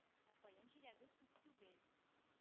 Ә каен җиләге күп түгел.